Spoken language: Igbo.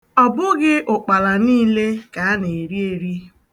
Ọ bụghị ụkpala niile ka a na-eri eri.